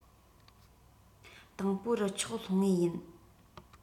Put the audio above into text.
དང པོ རུ ཆོགས ལྷུང ངེས ཡིན